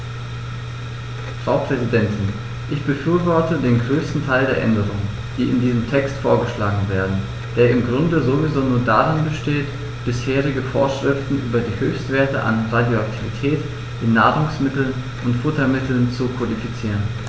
Frau Präsidentin, ich befürworte den größten Teil der Änderungen, die in diesem Text vorgeschlagen werden, der im Grunde sowieso nur darin besteht, bisherige Vorschriften über die Höchstwerte an Radioaktivität in Nahrungsmitteln und Futtermitteln zu kodifizieren.